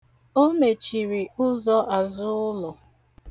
O mechiri ụzọ azụulọ.